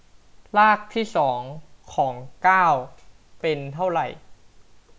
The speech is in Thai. รากที่สองของเก้าเป็นเท่าไหร่